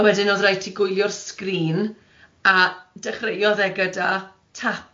A wedyn o'dd raid ti gwylio'r sgrin a dechreuoedd e gyda tap